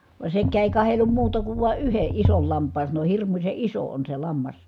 vaan sekään ei katsellut muuta kuin vain yhden ison lampaan sanoi hirmuisen iso on se lammas